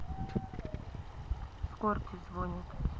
скорти звонит